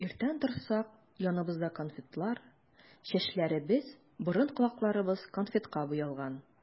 Иртән торсак, яныбызда конфетлар, чәчләребез, борын-колакларыбыз конфетка буялган.